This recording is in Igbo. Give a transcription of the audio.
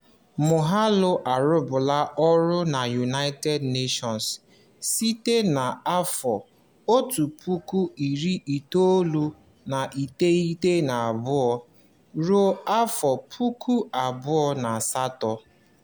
Moghalu arụbuola ọrụ na United Nations site na 1992 ruo 2008.